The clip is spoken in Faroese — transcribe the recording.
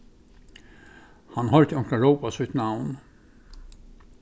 hann hoyrdi onkran rópa sítt navn